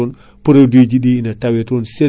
nde wonno kaadi ko produit kaadi cerɗo